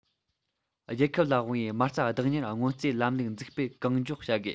རྒྱལ ཁབ ལ དབང བའི མ རྩ བདག གཉེར སྔོན རྩིས ལམ ལུགས འཛུགས སྤེལ གང མགྱོགས བྱ དགོས